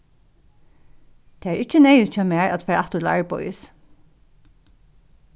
tað er ikki neyðugt hjá mær at fara aftur til arbeiðis